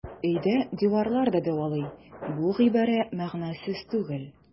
Өйдә диварлар да дәвалый - бу гыйбарә мәгънәсез түгел.